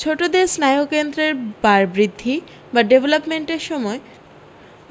ছোটদের স্নায়ুকেন্দ্রের বাড়বৃদ্ধি বা ডেভেলপম্যাণ্টের সময়